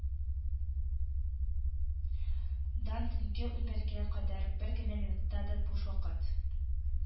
Дан төнге унбергә кадәр бер генә минут та буш вакыт